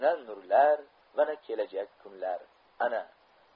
na nurlar va na kelajak kunlar ana